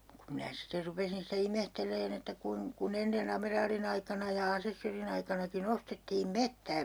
kun minä sitten rupesin sitä ihmettelemään että - kun ennen amiraalin aikana ja asessorin aikanakin ostettiin metsää